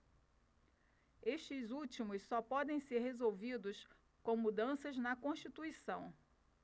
estes últimos só podem ser resolvidos com mudanças na constituição